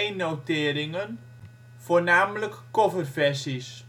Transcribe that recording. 1-noteringen, voornamelijk coverversies